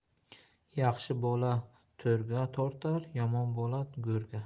yaxshi bola to'rga tortar yomon bola go'rga